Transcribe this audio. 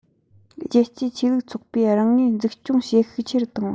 རྒྱལ གཅེས ཆོས ལུགས ཚོགས པས རང ངོས འཛུགས སྐྱོང བྱེད ཤུགས ཆེ རུ བཏང བ